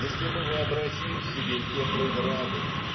если мы вообразим себе те преграды